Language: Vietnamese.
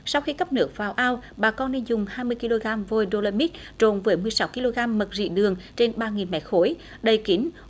sau khi cấp nước vào ao bà con nên dùng hai mươi ki lô gam vội đô la mít trộn với mười sáu ki lô gam mật rỉ đường trên ba nghìn mét khối đậy kín